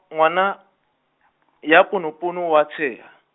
ngwana, ya ponopono o a tsheha.